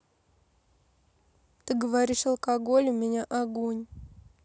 ты говоришь алкоголь у меня агонь